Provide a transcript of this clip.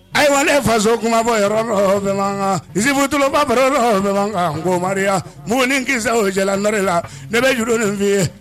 Ayiwa ne faso kuma fɔ yɔrɔ kanptuloba kan maria mu ni cɛlare la ne bɛ juru ni' i ye